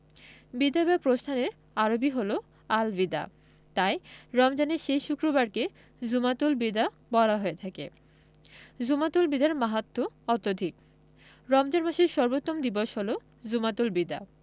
বিদায় বা প্রস্থানের আরবি হলো আল বিদা তাই রমজানের শেষ শুক্রবারকে জুমাতুল বিদা বলা হয়ে থাকে জুমাতুল বিদার মাহাত্ম্য অত্যধিক রমজান মাসের সর্বোত্তম দিবস হলো জুমাতুল বিদা